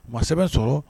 Maa sɛbɛn sɔrɔ